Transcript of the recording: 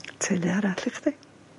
Teulu arall i chdi.